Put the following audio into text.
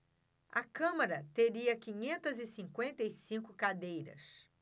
a câmara teria quinhentas e cinquenta e cinco cadeiras